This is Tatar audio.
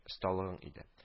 Осталыгың иде